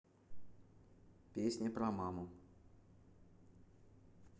песня про маму